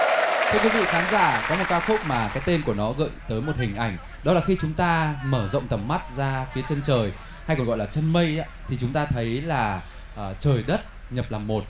thưa quý vị khán giả có một ca khúc mà cái tên của nó gợi tới một hình ảnh đó là khi chúng ta mở rộng tầm mắt ra phía chân trời hay còn gọi là chân mây ý ạ thì chúng ta thấy là trời đất nhập làm một